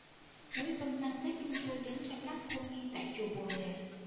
quế vân mang tết trung thu đến cho các cô nhi tại chùa bồ đề